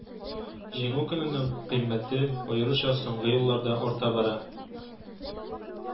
Җиңү көненең кыйммәте, аеруча, соңгы елларда арта бара